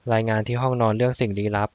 รายงานที่ห้องนอนเรื่องสิ่งลี้ลับ